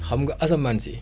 xam nga asamaan si